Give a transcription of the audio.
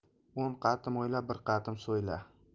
o'n qatim o'yla bir qatim so'yla